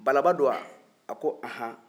ballaba don wa a ko ɔnhɔn